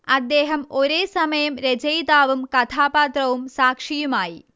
അദ്ദേഹം ഒരേസമയം രചയിതാവും കഥാപാത്രവും സാക്ഷിയുമായി